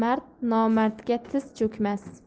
mard nomardga tiz cho'kmas